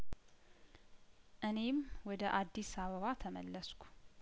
እኔም ወደ አዲስ አበባ ተመለስኩ